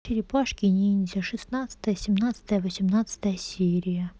черепашки ниндзя шестнадцатая семнадцатая восемнадцатая серия